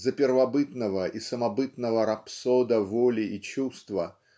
за первобытного и самобытного рапсода воли и чувства